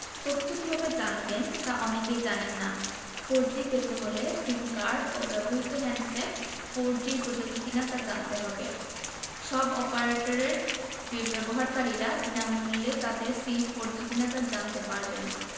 তথ্য কীভাবে জানবেন তা অনেকেই জানেন না ফোরজি পেতে হলে সিম কার্ড ও ব্যবহৃত হ্যান্ডসেট ফোরজি উপযোগী কিনা তা জানতে হবে সব অপারেটরের ব্যবহারকারীরা বিনামূল্যে তাদের সিম ফোরজি কিনা তা জানতে পারবেন